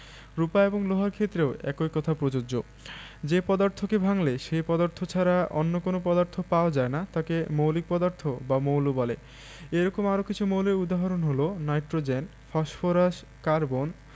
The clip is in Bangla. রুপা এবং লোহার ক্ষেত্রেও একই কথা প্রযোজ্য যে পদার্থকে ভাঙলে সেই পদার্থ ছাড়া অন্য কোনো পদার্থ পাওয়া যায় না তাকে মৌলিক পদার্থ বা মৌল বলে এরকম আরও কিছু মৌলের উদাহরণ হলো নাইট্রোজেন ফসফরাস কার্বন